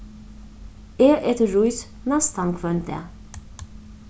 eg eti rís næstan hvønn dag